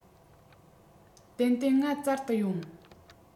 ཏན ཏན ང བཙལ དུ ཡོང